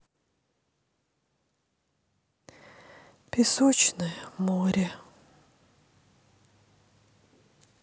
песочное море